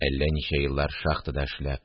Әллә ничә еллар шахтада эшләп